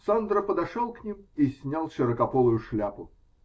Сандро подошел к ним и снял широкополую шляпу.